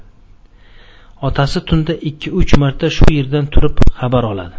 otasi tunda ikki uch marta shu yerdan turib xabar oladi